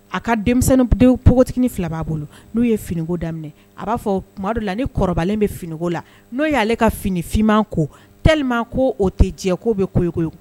A ka denmisɛnnindenw npogotini fila b'a bolo n'u ye finiko daminɛ a b'a fɔ o tumadu la ni kɔrɔbalen bɛ finiko la n'o y'ale ka finifinman ko tli ko o tɛ jɛ k'o bɛ koko ye